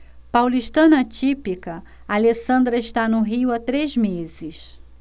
paulistana típica alessandra está no rio há três meses